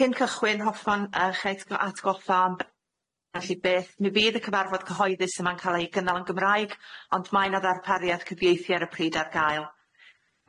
Cyn cychwyn hoffwn yy eich at- atgoffa am b- felly beth mi fydd y cyfarfod cyhoeddus yma'n ca'l ei gynnal yn Gymraeg ond mae 'na ddarpariad cyfieithu ar y pryd ar gael.